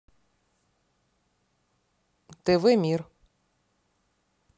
тв мир